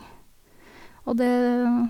Og det...